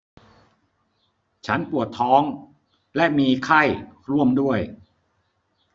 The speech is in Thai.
ฉันปวดท้องและมีไข้ร่วมด้วย